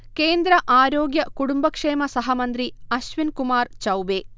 കേന്ദ്ര ആരോഗ്യ-കുടുംബക്ഷേമ സഹമന്ത്രി അശ്വിൻ കുമാർ ചൗബേ